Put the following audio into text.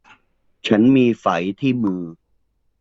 ฉันมีไฝที่มือ